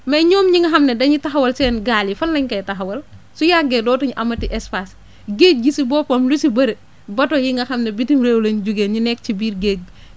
mais ñi nga xam ne dañuy taxawal seen gaal yi fan la ñu koy taxawal su yàggee dootuñu amati espace géej gi si boppam lu si bëri bateau yi nga xam ne bitim réew lañ jugee nekk ci biir géej gi